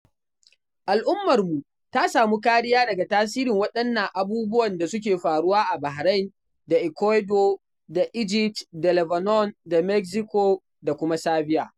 Al'ummarmu ta samu kariya daga tasirin waɗannan abubuwan da suke faruwa a Bahrain da Ecuado da Egypt da Lebanon da Mexico da kuma Serbia.